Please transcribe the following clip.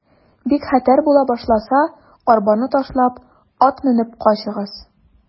Бик хәтәр була башласа, арбаны ташлап, ат менеп качыгыз.